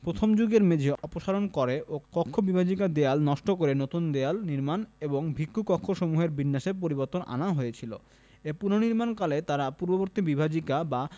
প্রথম যুগের মেঝে অপসারণ করে ও কক্ষ বিভাজিকা দেয়াল নষ্ট করে নুতন দেওয়াল নির্মাণ এবং ভিক্ষু কক্ষসমূহের বিন্যাসে পরিবর্তন আনা হয়েছিল এ পুনর্নির্মাণকালে তারা পূর্ববর্তী বিভাজিকা বা